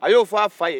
a y'o fɔ a fa ye